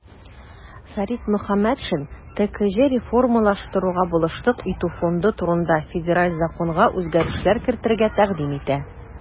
Фәрит Мөхәммәтшин "ТКҖ реформалаштыруга булышлык итү фонды турында" Федераль законга үзгәрешләр кертергә тәкъдим итә.